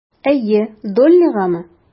Әйе, Доллигамы?